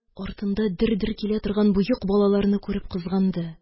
Артында дер-дер килә торган боек балаларны күреп кызганды